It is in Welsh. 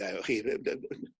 ynde wch chi.